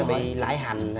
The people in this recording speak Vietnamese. nó bị lãi hành hả